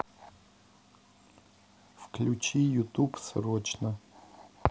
включи ютуб срочно